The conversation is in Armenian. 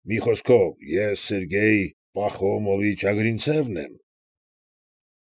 Մի խոսքով, ես Սերգեյ Պախոմովիչ Ագրինցևն եմ։